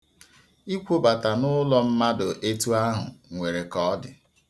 Ikwobata n'ụlọ mmadụ etu ahụ nwere ka ọ dị.